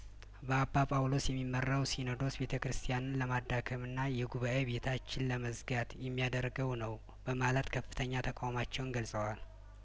በአባ ጳውሎስ የሚመራው ሲኖዶስ ቤተ ክስቲያንን ለማዳከምና የጉባኤ ቤታችን ለመዝጋት የሚያደርገው ነው በማለት ከፍተኛ ተቃውሞአቸውን ገልጸዋል